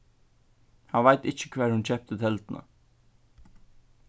hann veit ikki hvar hon keypti telduna